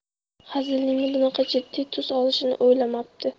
hazilining bunaqa jiddiy tus olishini o'ylamabdi